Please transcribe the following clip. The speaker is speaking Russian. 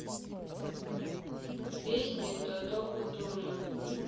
песни тото кутуньо